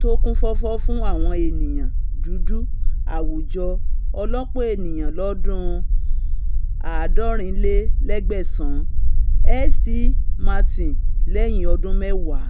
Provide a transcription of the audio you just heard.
tó kún fọfọ fún àwọn eniyan dúdú - Àwùjọ Ọlọpọ Eniyan lọdun 1870, St. Martin, lẹyin ọdún mẹwaa.